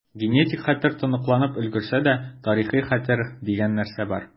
Генетик хәтер тоныкланып өлгерсә дә, тарихи хәтер дигән нәрсә бар.